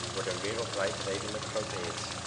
worden wereldwijd redelijk grote hits